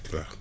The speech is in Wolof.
waaw